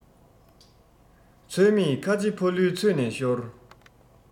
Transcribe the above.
ཚོད མེད ཁ ཆེ ཕ ལུའི ཚོད ནས ཤོར